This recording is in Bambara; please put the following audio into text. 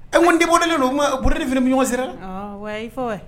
E ko n débordé len fana bɛ ɲɔgɔn ɲɛsara la. .